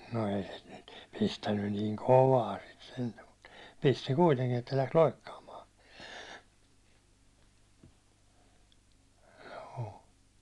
no ei se nyt pistänyt niin kovaa sitten sentään mutta pisti kuitenkin että lähti loikkaamaan joo